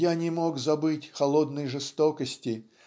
я не мог забыть холодной жестокости